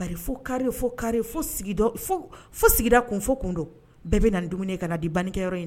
Fo fo tun tun bɛɛ bɛ na dumuni ka na di bangekɛ yɔrɔ